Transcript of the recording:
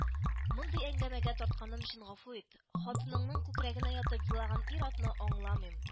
—мондый әңгәмәгә тартканым өчен гафу ит, хатынының күкрәгенә ятып елаган ир-атны аңламыйм